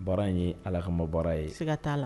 Baara in ye Ala kama baara ye sika t'a la